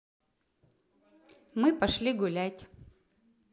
мы пошли гулять